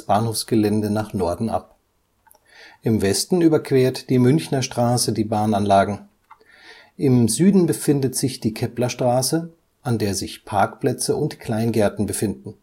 Bahnhofsgelände nach Norden ab. Im Westen überquert die Münchner Straße die Bahnanlagen. Im Süden befindet sich die Klepperstraße, an der sich Parkplätze und Kleingärten befinden.